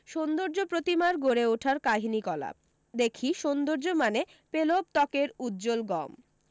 সৌন্দর্যপ্রতিমার গড়ে ওঠার কাহিনীকলাপ দেখি সৌন্দর্য মানে পেলব ত্বকের উজ্জ্বল গম